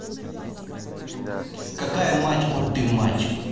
какая мать от ты мать